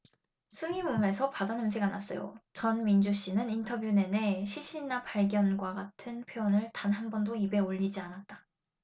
승희 몸에서 바다 냄새가 났어요전민주씨는 인터뷰 내내 시신이나 발견과 같은 표현을 단 한번도 입에 올리지 않았다